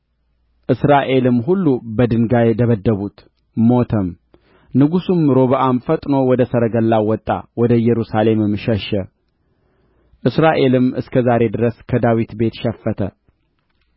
እስራኤልም ሁሉ በድንጋይ ደበደቡት ሞተም ንጉሡም ሮብዓም ፈጥኖ ወደ ሰረገላው ወጣ ወደ ኢየሩሳሌምም ሸሸ እስራኤልም እስከ ዛሬ ድረስ ከዳዊት ቤት ሸፈተ